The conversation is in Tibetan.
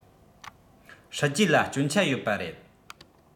སྲིད ཇུས ལ སྐྱོན ཆ ཡོད པ རེད